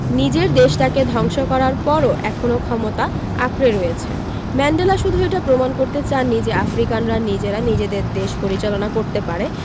নিজের দেশটাকে ধ্বংস করার পরও এখনো ক্ষমতা আঁকড়ে রয়েছেন ম্যান্ডেলা শুধু এটা প্রমাণ করতে চাননি যে আফ্রিকানরা নিজেরা নিজেদের দেশ পরিচালনা করতে পারে